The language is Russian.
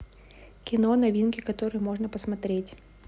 кино новинки которые можно посмотреть